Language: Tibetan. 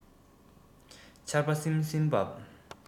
ཆར པ བསིམ བསིམ འབབས